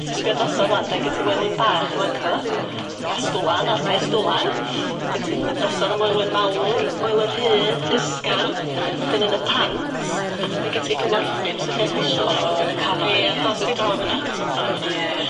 'S ti sbio drosodd ŵan de gen ti Moelwyn Bach ym man co a Stwlan argai Stwlan 'dyn ti'n mynd drosodd y Moelwyn Mawr, Moelyr Rhydd, Rysgan 'dyn yn y pant ma' gin ti Cwmorthyn sy'n lle sbesial iawn. O yn y canol un ie? Ia dos di draw fan 'na dos am dro ia? Ie.